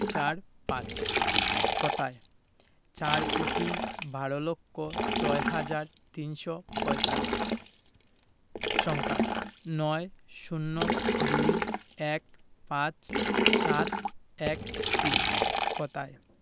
৪৫ কথায়ঃ চার কোটি বার লক্ষ ছয় হাজার তিনশো পঁয়তাল্লিশ সংখ্যাঃ ৯ ০২ ১৫ ৭১৩ কথায়